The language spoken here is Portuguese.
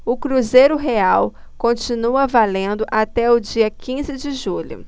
o cruzeiro real continua valendo até o dia quinze de julho